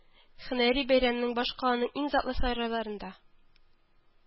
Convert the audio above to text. Һөнәри бәйрәмнәрен башкаланың иң затлы сарайларында